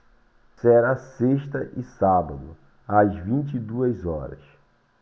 será sexta e sábado às vinte e duas horas